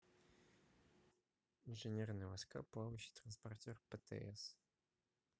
инженерные войска плавающий транспортер птс